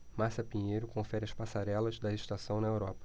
márcia pinheiro confere as passarelas da estação na europa